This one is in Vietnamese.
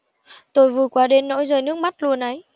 tôi vui quá đến nỗi rơi nước mắt luôn ấy